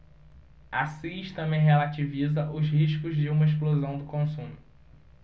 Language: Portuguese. assis também relativiza os riscos de uma explosão do consumo